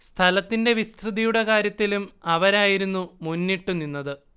സ്ഥലത്തിന്റെ വിസ്തൃതിയുടെ കാര്യത്തിലും അവരായിരുന്നു മുന്നിട്ടുനിന്നത്